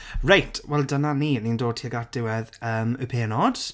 Right wel dyna ni. Ni yn dod tuag at diwedd yym y penod.